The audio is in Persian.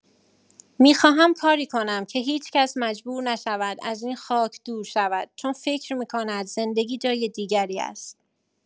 می‌خواهم کاری کنم که هیچ‌کس مجبور نشود از این خاک دور شود چون فکر می‌کند زندگی جای دیگری است.